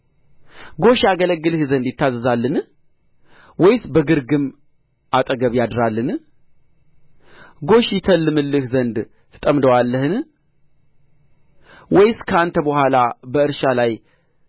ጐሽ ያገለግልህ ዘንድ ይታዘዛልን ወይስ በግርግምህ አጠገብ ያድራልን ጐሽ ይተልምልህ ዘንድ ትጠምደዋለህን ወይስ ከአንተ በኋላ በእርሻ ላይ